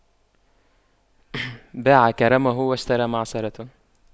باع كرمه واشترى معصرة